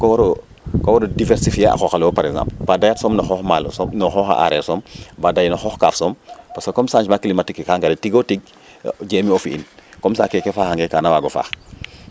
koo war o diversifier a qooq ale wo par exemple ba deyat som no xoox maalo na xoox a aareer som ba day no xoox kaaf som parce ce comme chagement climatique ke kaa ngariid tig o tig jemi o fi'in comme ca keke faxangee kana waag o faax